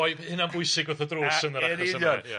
Roedd hynna'n bwysig wrth y drws yn yr achos yma ia.